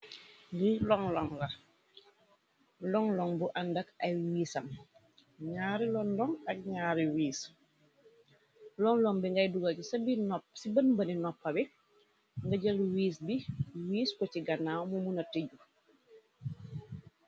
Lii longlong, longlong bu àndak ay wiisam ñaari longlong ak ñaari wiis. Longlong bi ngay duga ci ca bën bëni noppa bi nga jël wiis bi wiis ko ci ganaaw mu mu na tëju.